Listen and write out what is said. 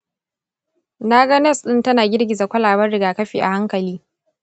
na ga nas ɗin tana girgiza kwalaben rigakafi a hankali.